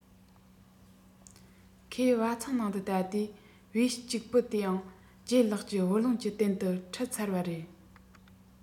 ཁོས བ ཚང ནང དུ ལྟ དུས བེའུ གཅིག པུ དེ ཡང ལྗད ལགས ཀྱིས བུ ལོན གྱི རྟེན དུ ཁྲིད ཚར བ རེད